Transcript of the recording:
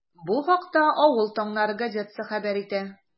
Бу хакта “Авыл таңнары” газетасы хәбәр итә.